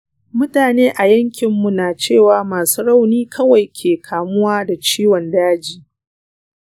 mutane a yankinmu na cewa masu rauni kawai ke kamuwa da ciwon daji.